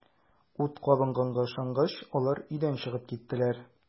Ут кабынганга ышангач, алар өйдән чыгып киттеләр.